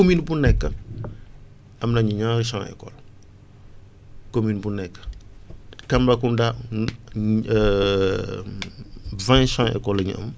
commune bu nekk am nañu ñaari champs école commune bu nekk Tambacounda am vingt champs écoles la ñu am